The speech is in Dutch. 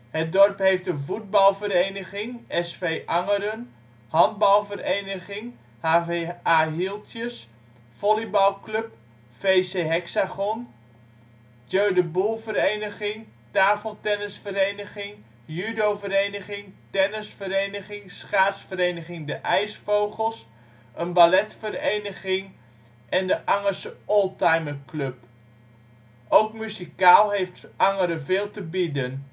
Het dorp heeft een voetbalvereniging (SV Angeren), Handbalvereniging (HVA Hieltjes), volleybalclub (VC Hexagon), Jeu de Boules vereniging, Tafeltennisvereniging, judovereniging, tennisvereniging, schaatsvereniging " De IJsvogels " een balletvereniging en de Angerse Oldtimer Club. Ook muzikaal heeft Angeren veel te bieden